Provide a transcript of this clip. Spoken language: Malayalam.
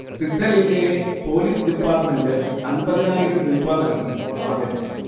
സിദ്ധലിങ്കയെ പോലീസ് ഡിപ്പാർട്മെൻറ് അന്‍പതിനായിരം രൂപ നൽകി ആദരിച്ചു